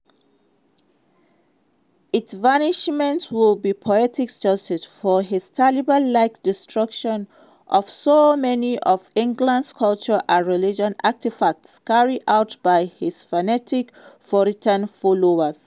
Its banishment would be poetic justice for his Taliban-like destruction of so many of England's cultural and religious artefacts carried out by his fanatical Puritan followers.